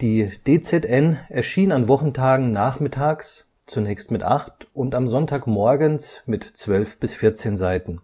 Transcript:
Die DZN erschien an Wochentagen nachmittags zunächst mit acht und am Sonntag morgens mit 12 bis 14 Seiten.